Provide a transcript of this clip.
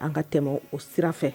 An ka tɛmɛ o sira fɛ